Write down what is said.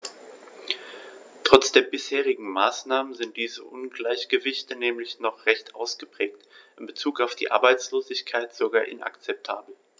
Trotz der bisherigen Maßnahmen sind diese Ungleichgewichte nämlich noch recht ausgeprägt, in bezug auf die Arbeitslosigkeit sogar inakzeptabel.